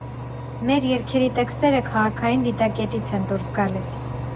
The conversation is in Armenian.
Մեր երգերի տեքստերը քաղաքային դիտակետից են դուրս գալիս։